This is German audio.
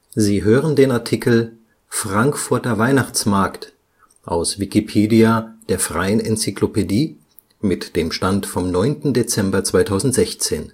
Sie hören den Artikel Frankfurter Weihnachtsmarkt, aus Wikipedia, der freien Enzyklopädie. Mit dem Stand vom Der